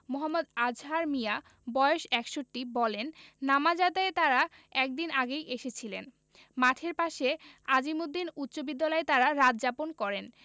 মো. আজহার মিয়া বয়স ৬১ বলেন নামাজ আদায়ে তাঁরা এক দিন আগেই এসেছিলেন মাঠের পাশে আজিমুদ্দিন উচ্চবিদ্যালয়ে তাঁরা রাত যাপন করেন